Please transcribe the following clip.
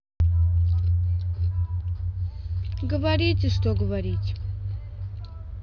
говорите что говорить